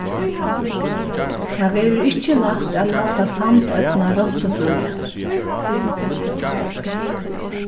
tað verður ikki lætt at halda sandoynna rottufría